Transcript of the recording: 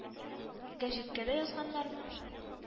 — гәҗиткә дә язганнармы